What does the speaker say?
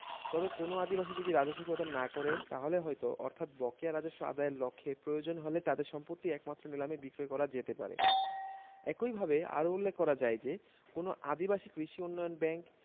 তবে কোনও আদিবাসী যদি রাজস্ব প্রদান না করে তাহলে হয়ত অর্থাৎ বকেয়া রাজস্ব আদাযের লক্ষে প্রয়োজন হলে তাদের সম্পত্তি একমাত্র নিলামে বিক্রয় করা যেতে পারে একইভাবে আরো উল্লেখ করা যায় যে কোন আদিবাসী কৃষি উন্নয়ন ব্যাংক